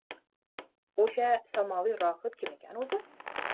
o'sha samoviy rohib kim ekan o'zi